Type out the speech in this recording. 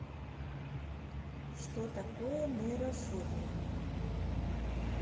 что такое нейрошопинг